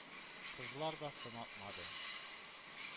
Кызлар да сынатмады,